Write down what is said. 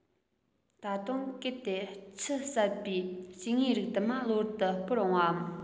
ད དུང གལ ཏེ ཁྱུ གསར པའི སྐྱེ དངོས རིགས དུ མ གློ བུར དུ སྤོར འོངས པའམ